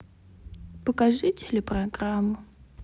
покажи телепрограмму